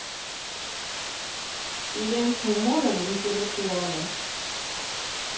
Իրենց հումորն ինտելեկտուալ է։